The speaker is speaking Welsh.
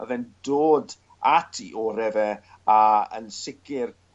ma' fe'n dod at 'i ore' fe a yn sicir